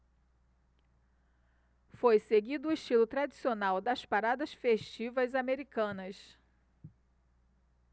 foi seguido o estilo tradicional das paradas festivas americanas